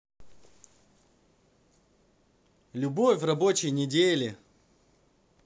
любовь в рабочей недели